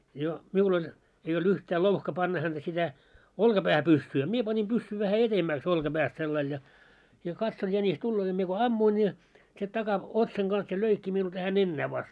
jo minulla oli ei ollut yhtä louhka panna häntä sitä olkapäähän pyssyä a minä panin pyssyn vähän edemmäksi olkapäästä sillä lailla ja ja katson jänis tulee ja minä kun ammuin ja se - takaotsan kanssa ja löi minulla tähän nenään vasta